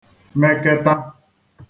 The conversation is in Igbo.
meketa